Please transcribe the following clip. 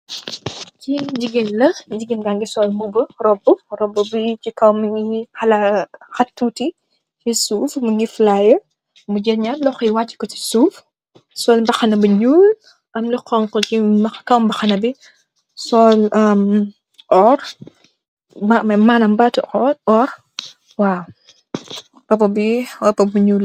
Jeeg jigeen la jigeen bagi sol mbuba robu robu bi si kaw mogi hala hatt tuti si stuff mogi fleye mo gel naari loxoyi wacheh ko si suuf mogi sol mbahana bu nuul am lu xonxa si kaw mbahana bi sol am orr manam bati orr waw auto bi auto bu nuul la.